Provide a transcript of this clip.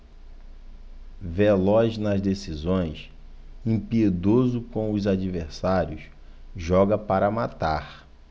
veloz nas decisões impiedoso com os adversários joga para matar